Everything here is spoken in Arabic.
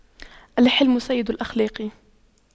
الحِلْمُ سيد الأخلاق